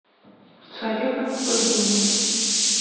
царевна попрыгунья